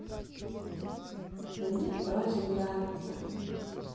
мне тоже нравится